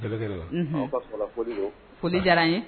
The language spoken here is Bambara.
Fo diyara an ye